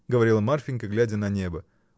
— говорила Марфинька, глядя на небо.